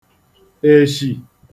èshì